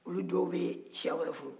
olu dɔw bɛ siya wɛrɛ furu